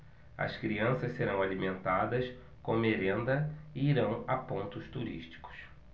as crianças serão alimentadas com merenda e irão a pontos turísticos